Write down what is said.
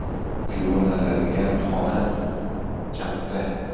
yuviniladigan xona chapda